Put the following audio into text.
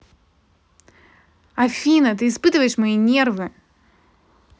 афина ты испытываешь мои нервы